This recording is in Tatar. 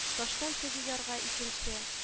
Таштан теге ярга икенче